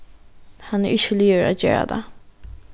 hann er ikki liðugur at gera tað